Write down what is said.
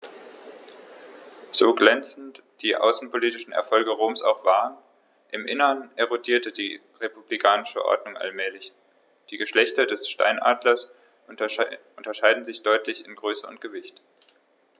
So glänzend die außenpolitischen Erfolge Roms auch waren: Im Inneren erodierte die republikanische Ordnung allmählich. Die Geschlechter des Steinadlers unterscheiden sich deutlich in Größe und Gewicht.